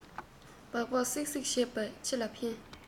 སྦག སྦག གསིག གསིག བྱས པས ཅི ལ ཕན